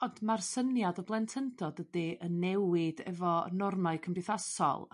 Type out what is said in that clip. Ond ma'r syniad o blentyndod dydi yn newid efo normau cymdeithasol